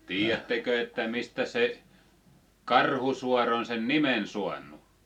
tiedättekö että mistä se Karhusaari on sen nimen saanut